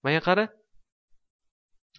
manga qara